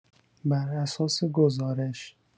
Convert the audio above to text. بر اساس گزارش